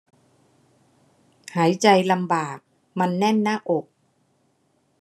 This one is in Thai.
หายใจลำบากมันแน่นหน้าอก